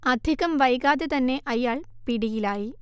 അധികം വൈകാതെ തന്നെ അയാൾ പിടിയിലായി